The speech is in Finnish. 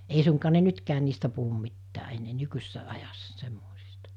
ei suinkaan ne nytkään niistä puhu mitään enää nykyisessä ajassa semmoisista